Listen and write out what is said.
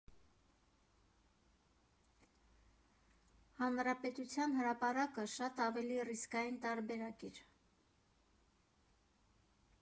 Հանրապետության հրապարակը շատ ավելի ռիսկային տարբերակ էր։